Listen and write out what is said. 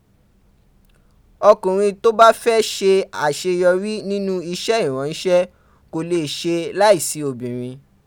Okunrin to ba fe se aseyori ninu ise iranse, ko le se laisi obinrin.